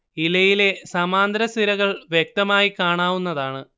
ഇലയിലെ സമാന്തര സിരകൾ വ്യക്തമായി കാണാവുന്നതാണ്